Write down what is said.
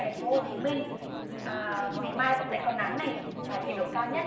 thành phố hồ chí minh à ngày mai cũng sẽ có nắng này và nhiệt độ cao nhất